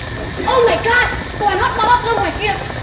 ô mai gót toàn hót boi hót gơn ngoài kia